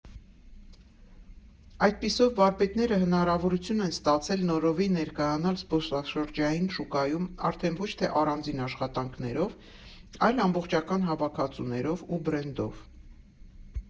Այդպիսով, վարպետները հնարավորություն են ստացել նորովի ներկայանալ զբոսաշրջային շուկայում արդեն ոչ թե առանձին աշխատանքներով, այլ ամբողջական հավաքածուներով ու բրենդով։